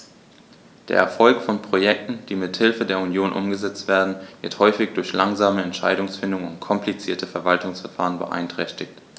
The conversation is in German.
Der Erfolg von Projekten, die mit Hilfe der Union umgesetzt werden, wird häufig durch langsame Entscheidungsfindung und komplizierte Verwaltungsverfahren beeinträchtigt.